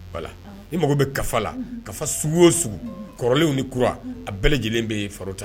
I mago bɛ ka la ka o kɔrɔlenw ni kura a bɛɛ lajɛlen bɛ fara tan